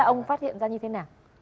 ông phát hiện ra như thế nào